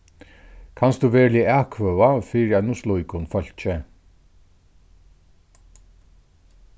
kanst tú veruliga atkvøða fyri einum slíkum fólki